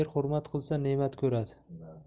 er hurmat qilsa ne'mat ko'radi